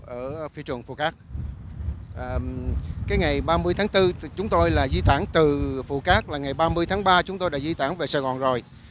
ở phi trường phù cát à cái ngày ba mươi tháng tư thì chúng tôi là di tản từ phù cát là ngày ba mươi tháng ba chúng tôi đã di tản về sài gòn rồi